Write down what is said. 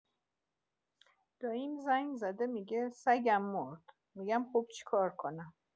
داییم زنگ‌زده می‌گه سگم مرد، می‌گم خب چکار کنم؟